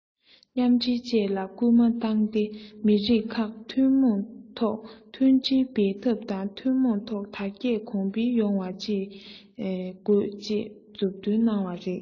མཉམ འདྲེས བཅས ལ སྐུལ མ བཏང སྟེ མི རིགས ཁག ཐུན མོང ཐོག མཐུན སྒྲིལ འབད འཐབ དང ཐུན མོང ཐོག དར རྒྱས གོང འཕེལ ཡོང བ བྱེད དགོས ཞེས མཛུབ སྟོན གནང བ རེད